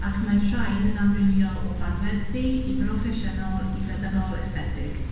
Ac mae'r rhain yn amrywio o fanwerthu i broffesiynol i feddygol aesthetig.